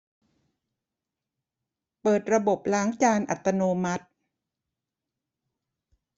เปิดระบบล้างจานอัตโนมัติ